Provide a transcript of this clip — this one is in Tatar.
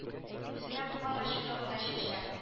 Үземә булган ачуны гына чәчәм